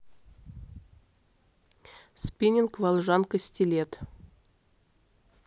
спиннинг волжанка стилет